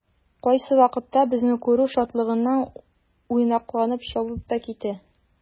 Кайсы вакытта безне күрү шатлыгыннан уйнаклап чабып та китә.